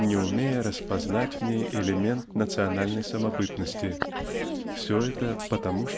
не умея распознать в ней элемент национальной самобытности -- все это потому